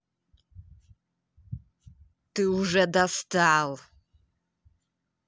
ты уже достал